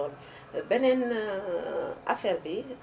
beneen affaire bi